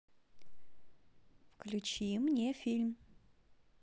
включи мне фильм